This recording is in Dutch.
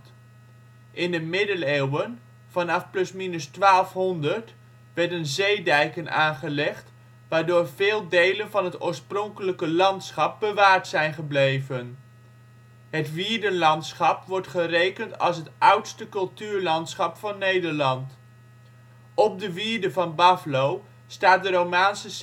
In de Middeleeuwen, vanaf plusminus 1200, werden zeedijken aangelegd, waardoor veel delen van het oorspronkelijke landschap bewaard zijn gebleven. Het wierdenlandschap wordt gerekend als het oudste cultuurlandschap van Nederland. Op de wierde van Baflo staat de romaanse